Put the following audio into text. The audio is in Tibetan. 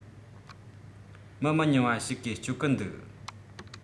མི མི ཉུང བ ཞིག གིས སྤྱོད གི འདུག